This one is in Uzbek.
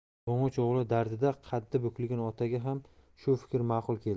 to'ng'ich o'g'li dardida qaddi bukilgan otaga ham shu fikr ma'qul keldi